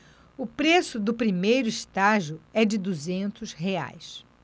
o preço do primeiro estágio é de duzentos reais